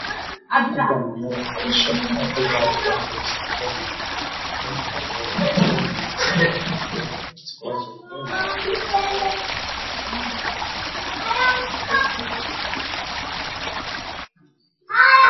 Waa school waxaa iskugu imaaday niman iyo naago macalin aya joogey